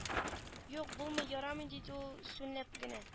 Юк булмый ярамый диде ул сүлпән генә